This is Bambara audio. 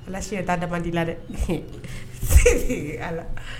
Ala siyɛta damand'i la dɛ e Ala